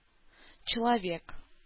Человек